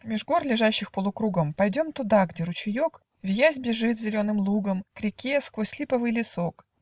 Меж гор, лежащих полукругом, Пойдем туда, где ручеек, Виясь, бежит зеленым лугом К реке сквозь липовый лесок.